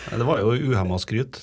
nei det var jo i uhemma skryt.